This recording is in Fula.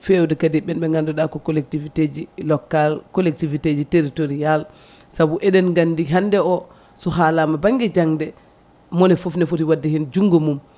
fewde kadi ɓen ɓe ganduɗa ko collectivité ji locale collectivté ji territorial saabu eɗen gandi hande oso haalama banggue jangde moni foof ne foti wadde hen junggo mum